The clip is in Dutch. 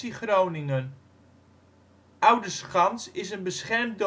Groningen. Oudeschans is een beschermd